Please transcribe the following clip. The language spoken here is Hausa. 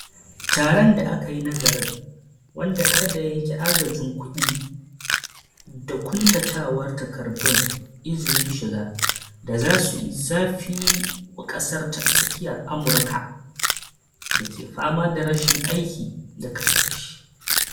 Taran da aka yi nazarin, wanda har da yanke agajin kuɗi da kuntatawar takardun izinin shiga, da za su yi zafi wa Kasar ta Tsakiyar Amurka da ke fama da rashin aiki da kashe-kashe.